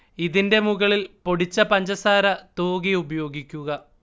ഇതിന്റെ മുകളിൽ പൊടിച്ച പഞ്ചസാര തൂകി ഉപയോഗിക്കുക